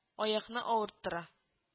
Аякны авырттыра